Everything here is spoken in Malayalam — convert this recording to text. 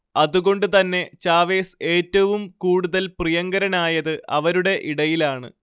അതുകൊണ്ടുതന്നെ ചാവേസ് ഏറ്റവും കൂടുതൽ പ്രിയങ്കരനായത് അവരുടെ ഇടയിലാണ്